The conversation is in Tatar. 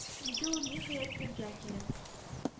Диде ул ниһаять телгә килеп